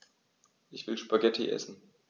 Ich will Spaghetti essen.